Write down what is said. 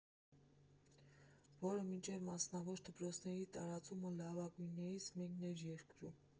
Որը մինչ մասնավոր դպրոցների տարածումը լավագույններից մեկն էր երկրում։